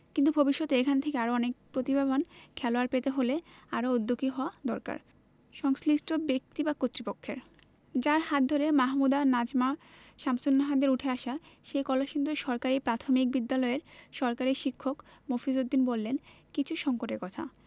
কিন্তু ভবিষ্যতে এখান থেকে আরও প্রতিভাবান খেলোয়াড় পেতে হলে আরও উদ্যোগী হওয়া দরকার সংশ্লিষ্ট ব্যক্তি বা কর্তৃপক্ষের যাঁর হাত ধরে মাহমুদা নাজমা শামসুন্নাহারদের উঠে আসা সেই কলসিন্দুর সরকারি প্রাথমিক বিদ্যালয়ের সহকারী শিক্ষক মফিজ উদ্দিন বললেন কিছু সংকটের কথা